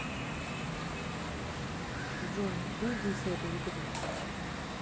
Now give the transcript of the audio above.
джой выйти из этой игры